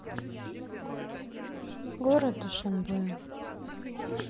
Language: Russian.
город душанбе